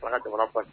A jamana pa